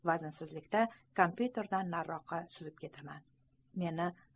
vaznsizlikda komp'yuterdan nariroqqa suzib ketaman